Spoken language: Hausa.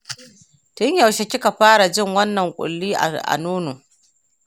tun yaushe kika fara jin wannan ƙulli a nono?